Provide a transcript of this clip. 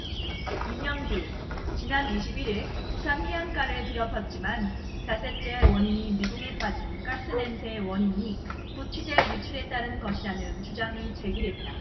민영규 지난 이십 일 일 부산 해안가를 뒤덮었지만 닷새째 원인이 미궁에 빠진 가스 냄새의 원인이 부취제 유출에 따른 것이라는 주장이 제기됐다